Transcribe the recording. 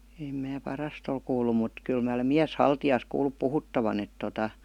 en minä parasta ole kuullut mutta kyllä minä olen mieshaltijasta kuullut puhuttavan että tuota